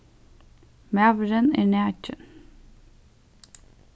maðurin er nakin